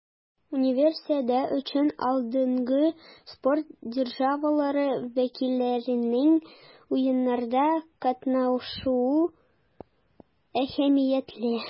Универсиада өчен алдынгы спорт державалары вәкилләренең Уеннарда катнашуы әһәмиятле.